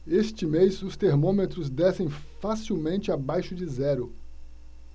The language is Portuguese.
este mês os termômetros descem facilmente abaixo de zero